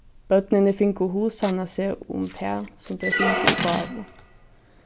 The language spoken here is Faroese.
børnini fingu hugsavnað seg um tað sum tey fingu í gávu